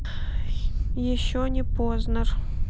еще не познер